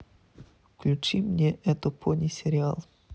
включи мне это пони сериал